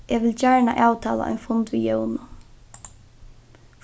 eg vil gjarna avtala ein fund við jónu